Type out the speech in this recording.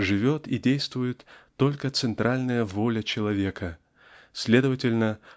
живет и действует только центральная воля человека следовательно